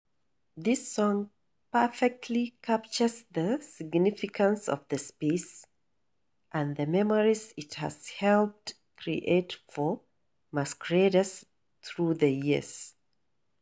This song perfectly captures the significance of the space, and the memories it has helped create for masqueraders through the years.